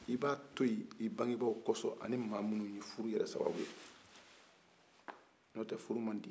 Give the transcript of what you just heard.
i ba toyin i bangebaw koson ani maa minnu ye furu yɛrɛ sababu ye n'i o tɛ furu man di